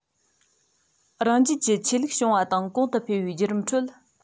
རང རྒྱལ གྱི ཆོས ལུགས བྱུང བ དང གོང དུ འཕེལ བའི བརྒྱུད རིམ ཁྲོད